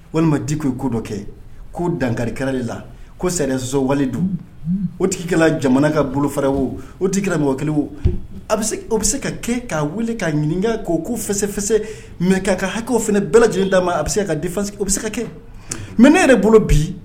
Walima di ko ko dɔ kɛ k'u dankarikɛ de la ko sariyaɛrɛsowaledu o tigi kɛra jamana ka bolo fariɛrɛ o o t tigi mɔgɔ o o bɛ se ka kɛ k'a weele k ka ɲininka koo ko fɛsɛ-fɛsɛ mɛ ka ka hakɛw f bɛɛj'a ma a bɛ se ka difase o bɛ se ka kɛ mɛ ne yɛrɛ bolo bi